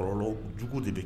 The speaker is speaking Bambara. Kɔrɔ jugu de bɛ